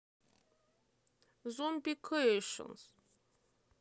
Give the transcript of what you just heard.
зомби кейшенс